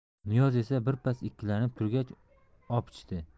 niyoz esa birpas ikkilanib turgach opichdi